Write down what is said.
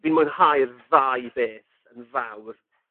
fi'n mwynhau'r ddau beth yn fawr.